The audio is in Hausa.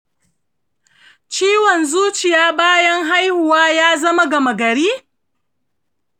ciwon zuciya bayan haihuwa ya zama gama gari?